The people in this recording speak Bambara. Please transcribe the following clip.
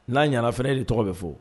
N'a ɲɛnaana fana de tɔgɔ bɛ fɔ